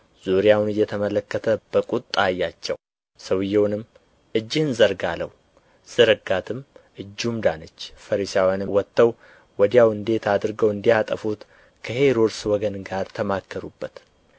ዙሪያውን እየተመለከተ በቍጣ አያቸው ሰውየውንም እጅህን ዘርጋ አለው ዘረጋትም እጁም ዳነች ፈሪሳውያንም ወጥተው ወዲያው እንዴት አድርገው እንዲያጠፉት ከሄሮድስ ወገን ጋር ተማከሩበት